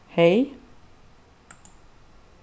hey